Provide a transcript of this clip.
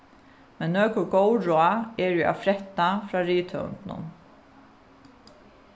men nøkur góð ráð eru at frætta frá rithøvundinum